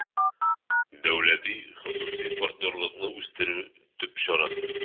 «дәүләти-хосусый партнерлыкны үстерү» төп чарасы